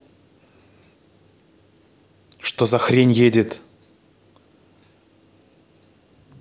что за хрень едет